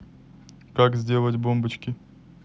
как сделать бомбочки